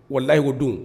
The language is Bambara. Walayi o don